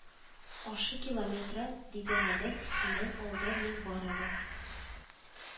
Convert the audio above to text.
Ашыкилометра, диде Гадел, синнән алда мин бар әле